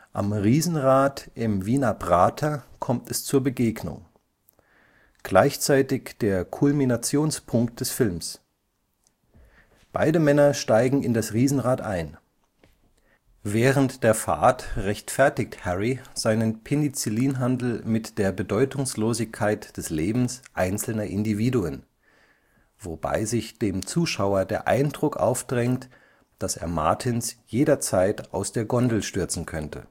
Am Riesenrad im Wiener Prater kommt es zur Begegnung, gleichzeitig der Kulminationspunkt des Films. Beide Männer steigen in das Riesenrad ein. Während der Fahrt rechtfertigt Harry seinen Penicillinhandel mit der Bedeutungslosigkeit des Lebens einzelner Individuen (wobei sich dem Zuschauer der Eindruck aufdrängt, dass er Martins jederzeit aus der Gondel stürzen könnte